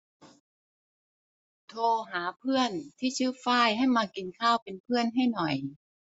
โทรหาเพื่อนที่ชื่อฝ้ายให้มากินข้าวเป็นเพื่อนให้หน่อย